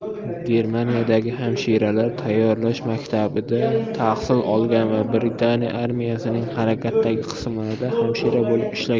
germaniyadagi hamshiralar tayyorlash maktabida tahsil olgan va britaniya armiyasining harakatdagi qismlarida hamshira bo'lib ishlagan